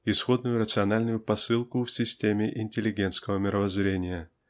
исходную рациональную посылку в системе интеллигентского мировоззрения.